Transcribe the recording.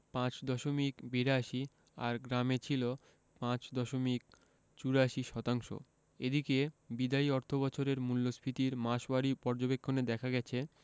৫ দশমিক ৮২ আর গ্রামে ছিল ৫ দশমিক ৮৪ শতাংশ এদিকে বিদায়ী অর্থবছরের মূল্যস্ফীতির মাসওয়ারি পর্যবেক্ষণে দেখা গেছে